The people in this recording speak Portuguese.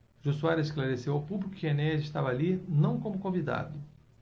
jô soares esclareceu ao público que enéas estava ali não como convidado